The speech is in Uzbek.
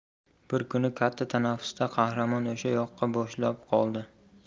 bir kuni katta tanaffusda qahramon o'sha yoqqa boshlab qoldi